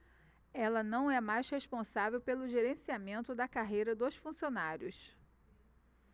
ela não é mais responsável pelo gerenciamento da carreira dos funcionários